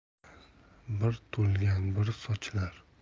bir to'lgan bir sochilar